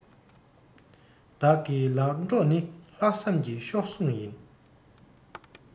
བདག གི ལམ གྲོགས ནི ལྷག བསམ གྱི གཤོག ཟུང ཡིན